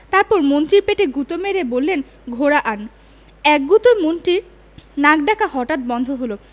তারপর মন্ত্রীর পেটে গুতো মেরে বললেন ঘোড়া আন এক গুতোয় মন্ত্রীর নাক ডাকা হঠাৎ বন্ধ হল